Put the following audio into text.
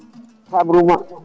habnuma